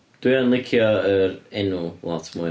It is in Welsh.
Dwi yn licio yr enw lot mwy.